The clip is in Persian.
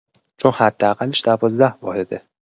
چون حداقلش ۱۲ واحده